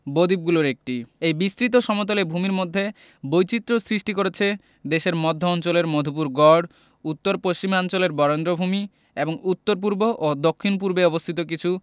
বদ্বীপগুলোর একটি এই বিস্তৃত সমতল ভূমির মধ্যে বৈচিত্র্য সৃষ্টি করেছে দেশের মধ্য অঞ্চলের মধুপুর গড় উত্তর পশ্চিমাঞ্চলের বরেন্দ্রভূমি এবং উত্তর পূর্ব ও দক্ষিণ পূর্বে অবস্থিত কিছু